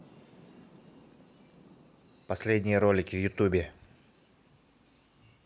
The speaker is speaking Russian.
последние ролики в ютубе